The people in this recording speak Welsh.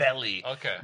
Feli. Ocê.